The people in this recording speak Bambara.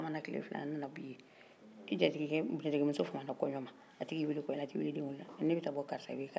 i jatigikɛ jatigimuso famana kɔɲɔ ma a tɛ k'i wele kɔɲɔ la a tɛ k'i wele den kundi la aa ne be taa bɔ karisa la karisa tɛ ka ne wele kɔɲɔ la o tuma a kɛra cogodi